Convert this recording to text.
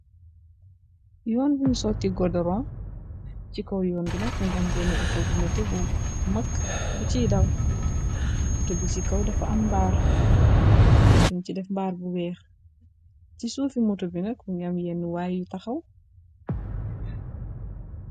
Yoon buñ sotti gordoron ci kow yoon binak bu njam dennu auto bu nete bu mag bu ci da auto bisikow dafa am mbaar yim ci def mbaar bu weex ci suufi moto binak bu njam yennu waay yu taxaw.